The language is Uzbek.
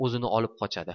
o'zini olib qochadi